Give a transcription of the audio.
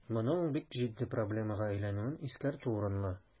Моның бик җитди проблемага әйләнүен искәртү урынлы.